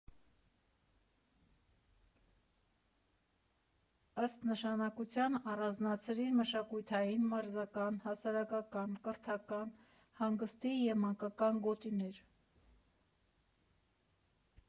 Ըստ նշանակության առանձնացրին մշակութային, մարզական, հասարակական, կրթական, հանգստի և մանկական գոտիներ։